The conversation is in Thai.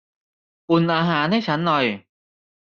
อุ่นอาหารให้ฉันหน่อย